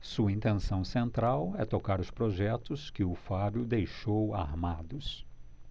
sua intenção central é tocar os projetos que o fábio deixou armados